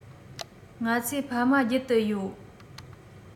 ང ཚོས ཕ མ རྒྱུད དུ ཡོད